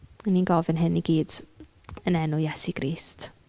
Y' ni'n gofyn hyn i gyd yn enw Iesu Grist.